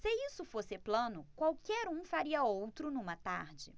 se isso fosse plano qualquer um faria outro numa tarde